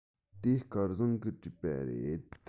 དེ སྐལ བཟང གིས བྲིས པ རེད